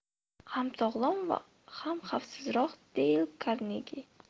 ham sog'lom ham xavfsizroq deyl karnegi